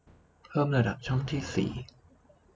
เพิ่มระดับช่องที่สี